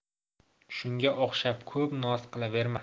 shunga o'xshab ko'p noz qilaverma